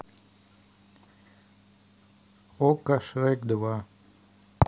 окко шрек два